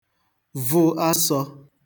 vụ asọ̄